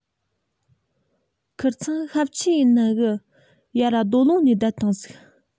ཁིར ཚང ཤབ ཁྱུ ཡིན ནཕ གིས ཡར ར རྡོ ལུང ནས བསྡད བཏང ཟིག